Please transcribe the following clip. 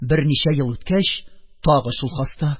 Берничә ел үткәч, тагы шул хаста